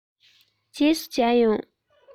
རྗེས སུ མཇལ ཡོང